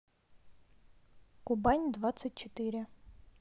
кубань двадцать четыре